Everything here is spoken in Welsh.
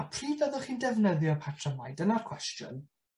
A pryd fyddwch chi'n defnyddio'r patrymau? Dyna'r cwestiwn.